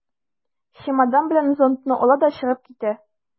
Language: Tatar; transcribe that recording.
Чемодан белән зонтны ала да чыгып китә.